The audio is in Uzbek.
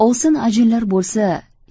ovsin ajinlar bo'lsa